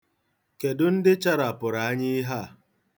Kedụ na-acharapụ anya ihe a?